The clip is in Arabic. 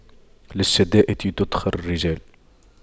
للشدائد تُدَّخَرُ الرجال